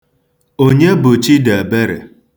Onye bụ Chidịebere?